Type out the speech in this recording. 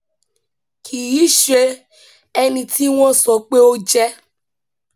Kì í ṣe ẹni tí wọ́n sọ pé ó jẹ́.